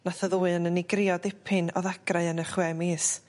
Nath y ddwy onyn ni grio dipyn o ddagrau yn y chwe mis.